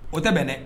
O tɛ bɛn dɛ